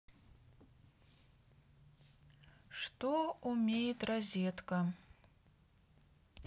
что умеет розетка